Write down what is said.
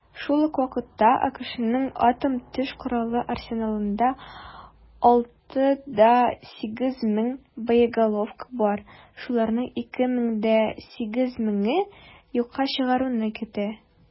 Шул ук вакытта АКШның атом төш коралы арсеналында 6,8 мең боеголовка бар, шуларны 2,8 меңе юкка чыгаруны көтә.